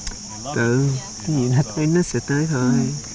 từ cái gì nó tới nó sẽ tới thôi ừ